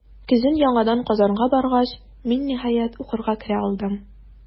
Көзен яңадан Казанга баргач, мин, ниһаять, укырга керә алдым.